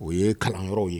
O ye kalan yɔrɔw ye